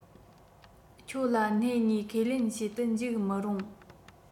ཁྱོད ལ སྣེ གཉིས ཁས ལེན བྱེད དུ འཇུག མི རུང